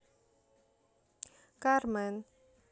кармен